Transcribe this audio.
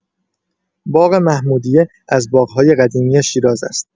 باغ محمودیه از باغ‌های قدیمی شیراز است.